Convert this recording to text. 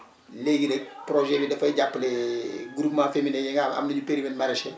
léegi-léeg projet bi dafay jàppale groupement féminin yi nga xam am nañu périmètre maraicher